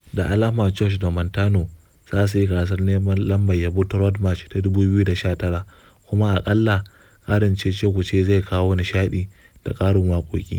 Da alama George da Montano za su yi gasar neman lambar yabo ta Road March ta 2019, kuma a kalla, ƙarin ce-ce-ku-ce zai kawo nishadi da ƙarin waƙoƙi